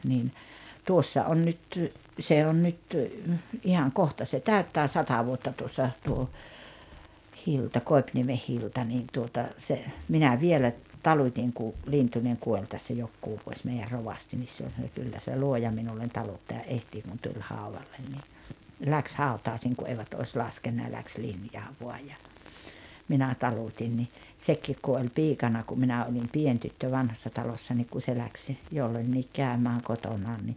niin tuossa on nyt se on nyt ihan kohta se täyttää sata vuotta tuossa tuo Hilda Koipiniemi Hilda niin tuota se minä vielä talutin kun Lintunen kuoli tässä jokunen vuosi meidän rovasti niin se oli sanoi kyllä se luoja minulle taluttajan etsii kun tuli haudalle niin lähti hautajaisiin kun eivät olisi laskenut ja lähti linjaa vain ja minä talutin niin sekin kun oli piikana kun minä olin pieni tyttö Vanhassa Talossa niin kun se lähti jolloinkin käymään kotonaan niin